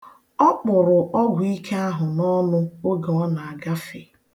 Ọ kpụrụ ọgwụ ike ahụ n'ọnụ oge ọ na-agafe.